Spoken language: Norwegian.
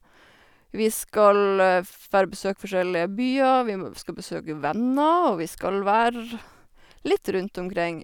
Vi skal fær og besøke forskjellige byer, vi må skal besøke venner og vi skal være litt rundt omkring.